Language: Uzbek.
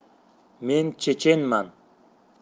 men chechenman